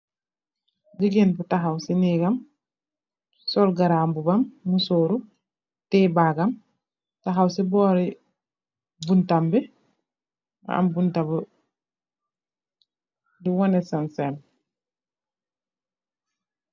Gigeen bu taxaw ci nehgam, sol garambubam musór teyeh bagam taxaw ci bóri buntabi, di waneh sanseham.